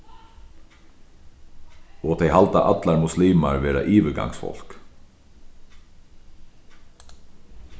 og tey halda allar muslimar vera yvirgangsfólk